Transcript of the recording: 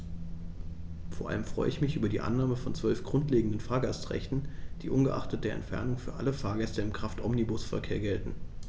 Vor allem freue ich mich über die Annahme von 12 grundlegenden Fahrgastrechten, die ungeachtet der Entfernung für alle Fahrgäste im Kraftomnibusverkehr gelten.